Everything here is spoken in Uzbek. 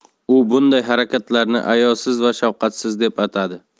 u bunday harakatlarni ayovsiz va shafqatsiz deb atadi